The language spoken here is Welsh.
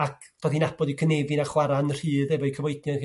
Ac dod i nabod 'u cynefin a chwara'n rhydd hefo'u cyfoedion.